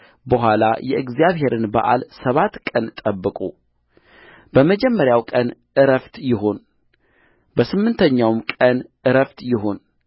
በኋላ የእግዚአብሔርን በዓል ሰባት ቀን ጠብቁ በመጀመሪያው ቀን ዕረፍት ይሁን በስምንተኛውም ቀን ዕረፍት ይሁን